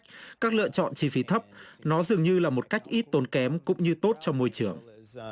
các lựa chọn chi phí thấp nó dường như là một cách ít tốn kém cũng như tốt cho môi trường